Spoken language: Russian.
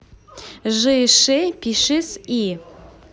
жи ши пиши с и